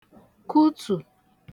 kụtù